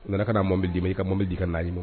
N nana kana mo bɛ d' ma i ka ma mɔ bɛ di i ka naani ma